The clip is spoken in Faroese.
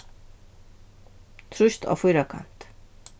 trýst á fýrakant